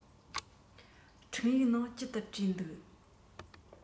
འཕྲིན ཡིག ནང ཅི ལྟར བྲིས འདུག